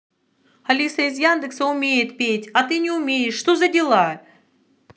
алиса из яндекса умеет петь а ты не умеешь что за дела